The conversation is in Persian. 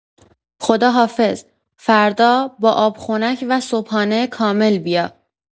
خداحافظ، فردا با آب خنک و صبحانه کامل بیا.